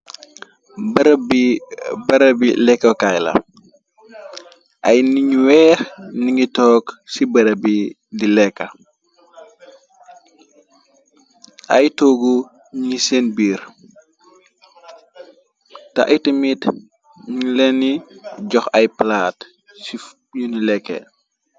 Barab bi barab bi lekkokaay la ay nit nyu weex nyugi toog ci barab bi di lekka ay toogu ñyigi seen biir te ayta mit nyung leni jox ay palaate cif yunu lekkee.